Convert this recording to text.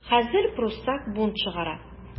Хәзер пруссак бунт чыгара.